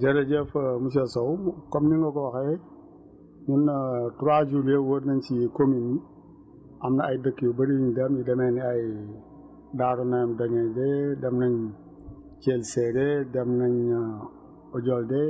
jërëjëf monsieur Sow comme ni nga ko waxee ñun trois jours yi wër nañ si communes yi am na ay dëkk yu bëri yuñ dem yu demee ni ay Darou Nahim dem nañ Thiel séeréer dem nañ Odiolde